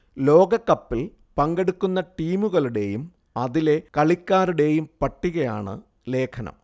ലോകകപ്പിൽ പങ്കെടുക്കുന്ന ടീമുകളുടെയും അതിലെ കളിക്കാരുടെയും പട്ടികയാണ് ലേഖനം